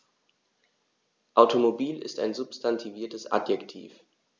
Automobil ist ein substantiviertes Adjektiv.